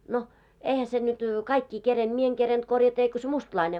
no eihän se nyt kaikki kerinnyt minä en kerinnyt korjata eikä se mustalainen